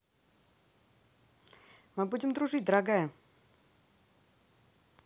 мы будем дружить дорогая